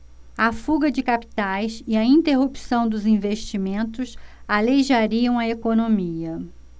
a fuga de capitais e a interrupção dos investimentos aleijariam a economia